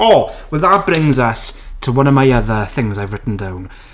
O! Well that brings us to one of my other things I've written down.